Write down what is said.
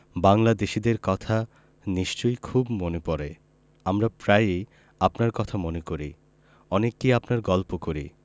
বাংলাদেশীদের কথা নিশ্চয় খুব মনে পরে আমরা প্রায়ই আপনারর কথা মনে করি অনেককেই আপনার গল্প করি